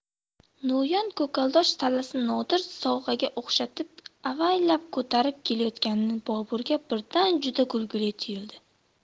no'yon ko'kaldosh sallani nodir sovg'aga o'xshatib avaylab ko'tarib kelayotgani boburga birdan juda kulgili tuyuldi